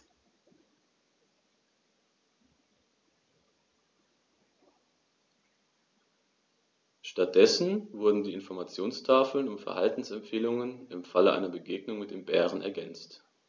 Stattdessen wurden die Informationstafeln um Verhaltensempfehlungen im Falle einer Begegnung mit dem Bären ergänzt.